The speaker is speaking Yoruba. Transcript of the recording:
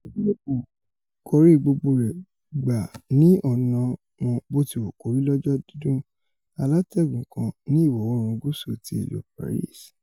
Ilẹ̀ Yúróòpù kòrí gbogbo rẹ̀ gbà ní ọ̀nà wọn bottiwukori lọ̀jọ̀ dídún, alátẹ́gùn kan ní ìwọ-oòrùn gúúsù ti ìlú Paris.